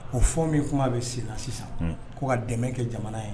O fɔ min kuma bɛ sen na sisan ko' ka dɛmɛ kɛ jamana ye